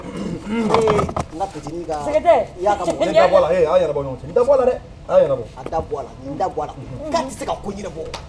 Un, ee; n ka petini ka , Zɛkɛtɛ, i y'a ka mɔgɔ ye,n ye n da bɔ a la, he a y'a ɲɛnabɔ a ni ɲɔgɔn cɛ, n da bɔ a la dɛ, a y'a ɲɛnabɔ , a da bɔ a la, n da bɔ a la , ka tɛ se ka ko ɲɛnabɔ.